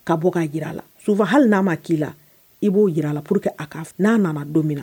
Ka bɔ'a jira a la sufa hali n'a ma k'i la i b'o jira a la porour que a kan n'a nana don min na